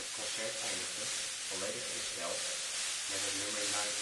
concert eindigde volledig in stijl met het nummer 1999